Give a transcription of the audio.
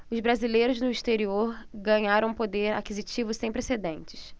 os brasileiros no exterior ganharam um poder aquisitivo sem precedentes